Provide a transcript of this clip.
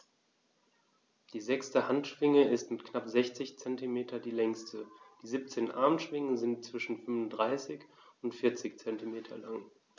Die sechste Handschwinge ist mit knapp 60 cm die längste. Die 17 Armschwingen sind zwischen 35 und 40 cm lang.